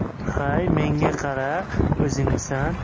hay manga qara o'zingmisan